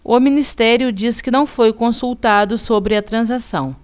o ministério diz que não foi consultado sobre a transação